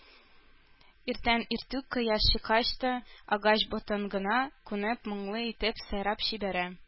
Иртән-иртүк, кояш чыккач та, агач ботагына кунып моңлы итеп сайрап җибәрә